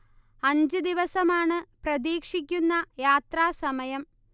അഞ്ച് ദിവസമാണ് പ്രതീക്ഷിക്കുന്ന യാത്രാസമയം